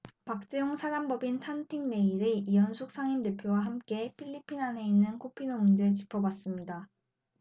박재홍 사단법인 탁틴내일의 이현숙 상임대표와 함께 필리핀 안에 있는 코피노 문제 짚어봤습니다